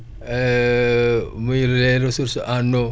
muy les ressources en eau